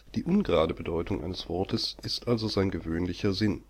Die ungerade Bedeutung eines Wortes ist also sein gewöhnlicher Sinn